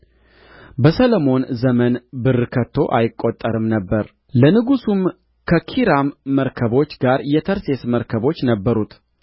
በሰሎሞን ዘመን ብር ከቶ አይቈጠርም ነበር ለንጉሡም ከኪራም መርከቦች ጋር የተርሴስ መርከቦች ነበሩት